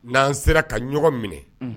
N'an sera ka ɲɔgɔn minɛ